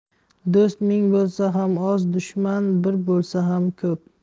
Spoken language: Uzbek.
do'st ming bo'lsa ham oz dushman bir bo'lsa ham ko'p